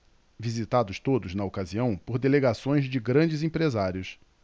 visitados todos na ocasião por delegações de grandes empresários